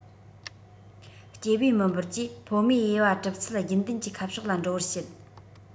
སྐྱེ བའི མི འབོར གྱི ཕོ མོའི དབྱེ བ གྲུབ ཚུལ རྒྱུན ལྡན གྱི ཁ ཕྱོགས ལ འགྲོ བར བྱེད